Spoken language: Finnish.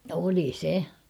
oli se